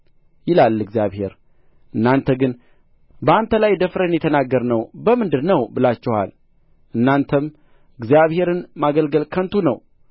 ይላል እግዚአብሔር እናንተ ግን በአንተ ላይ ደፍረን የተናገርነው በምንድር ነው ብላችኋል እናንተም እግዚአብሔርን ማገልገል ከንቱ ነው